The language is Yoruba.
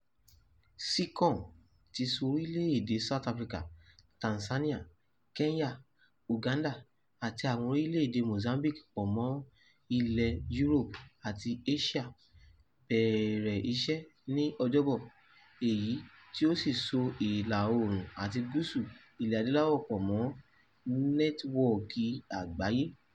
Seacom, tí ó so orílẹ̀ èdè South Africa, Tanzania, Kenya, Uganda àti orílẹ̀ èdè Mozambique pọ̀ mọ́ Ilẹ̀ Yúróòpù àti Éṣíà, bẹ̀rẹ̀ iṣẹ́ ní Ọjọ́bọ̀, èyí tí ó ń so ìlà oòrùn àti gúúsù Ilẹ̀ Adúláwò pọ̀ mọ́ nẹ́tíwọ́ọ̀kì àgbáyé.